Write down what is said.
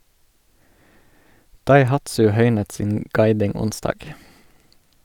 Daihatsu høynet sin guiding onsdag.